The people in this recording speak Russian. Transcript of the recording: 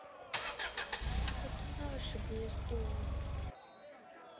это наше гнездо